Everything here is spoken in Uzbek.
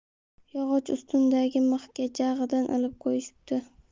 yog'och ustundagi mixga jag'idan ilib qo'yishibdi